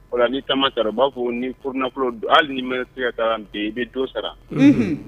O la ni taama sera u b'a fɔ ni furunafolo hali n'i ma se ka taa bi i bɛ dɔn sara